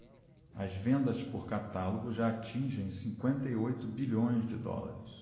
as vendas por catálogo já atingem cinquenta e oito bilhões de dólares